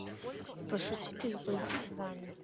пошути пизду